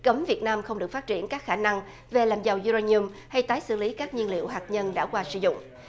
cấm việt nam không được phát triển các khả năng về làm giàu du ra ni um hay tái xử lý các nhiên liệu hạt nhân đã qua sử dụng